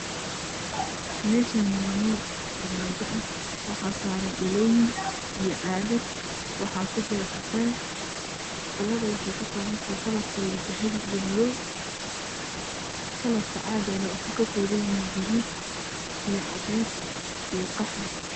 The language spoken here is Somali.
Meeshaan waa meel armaajo ah waxaa saaran dhalooyin iyo caagag waxaa ku jiro cafee dhalada waxay ka koobantahay kalarkeeda dahabi iyo madow kalarka caagana wuxuu ka koobanyahay guduud iyo cadays iyo qaxwi